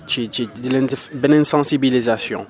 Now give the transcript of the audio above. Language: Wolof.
ci ci di leen def beneen sensibilisation